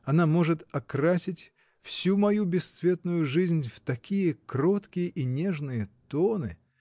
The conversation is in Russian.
Она может окрасить всю мою бесцветную жизнь в такие кроткие и нежные тоны.